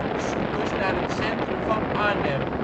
bezoekers naar het centrum van Arnhem